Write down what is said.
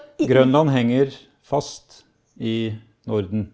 Grønland henger fast i Norden.